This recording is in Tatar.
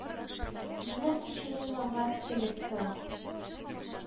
Ниләр кичерүен аңлап, белеп тора